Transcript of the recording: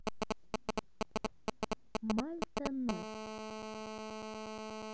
мальта настя